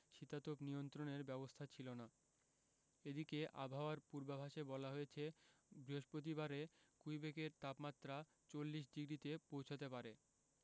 শীতাতপ নিয়ন্ত্রণের ব্যবস্থা ছিল না এদিকে আবহাওয়ার পূর্বাভাসে বলা হয়েছে বৃহস্পতিবার কুইবেকে তাপমাত্রা ৪০ ডিগ্রিতে পৌঁছাতে পারে